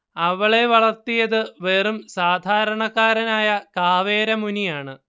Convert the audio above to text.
അവളെ വളർത്തിയത് വെറും സാധാരണക്കാരനായ കാവേര മുനിയാണ്